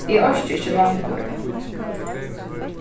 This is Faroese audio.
eg orki ikki longur